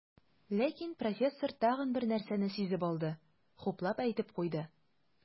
Ләкин профессор тагын бер нәрсәне сизеп алды, хуплап әйтеп куйды.